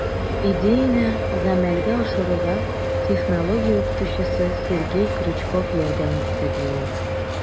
Идеяне гамәлгә ашыруга технология укытучым Сергей Крючков ярдәм итте, - ди ул.